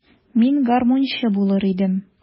Мин гармунчы булыр идем.